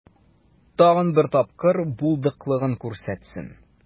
Тагын бер тапкыр булдыклылыгын күрсәтсен.